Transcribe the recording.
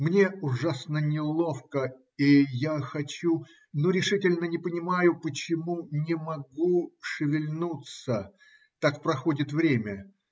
Мне ужасно неловко, и я хочу, но решительно не понимаю, почему не могу, шевельнуться. Так проходит время.